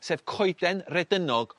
sef coeden rhedynog